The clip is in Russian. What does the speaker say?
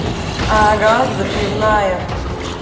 ага забивная